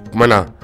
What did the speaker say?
Tumaumana na